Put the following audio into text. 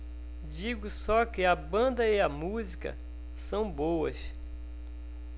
digo só que a banda e a música são boas